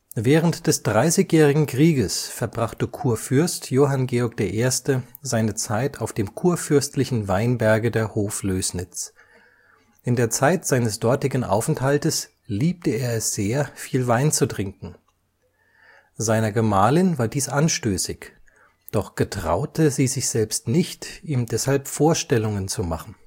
Während des 30jährigen Krieges verbrachte Churfürst Johann Georg I. seine Zeit auf dem Churfürstl. Weinberge der Hoflößnitz; in der Zeit seines dortigen Aufenthaltes liebte er es sehr viel Wein zu trinken. Seiner Gemahlin war dies anstößig, doch getrauete sie selbst sich nicht, ihm deshalb Vorstellungen zu machen